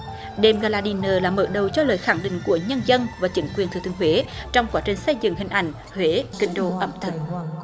đêm ga la đin nơ là mở đầu cho lời khẳng định của nhân dân và chính quyền thừa thiên huế trong quá trình xây dựng hình ảnh huế kinh đô ẩm thực